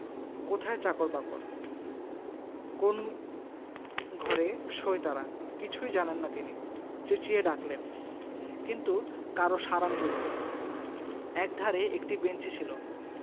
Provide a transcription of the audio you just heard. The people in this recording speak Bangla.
কোথায় চাকর বাকর কোন্ ঘরে শোয় তারা কিছুই জানেন না তিনি চেঁচিয়ে ডাকলেন কিন্তু কারও সাড়া মিলল না একধারে একটী বেঞ্চি ছিল